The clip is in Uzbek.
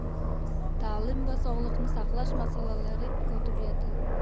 ta'lim va sog'liqni saqlash masalalari kotibiyati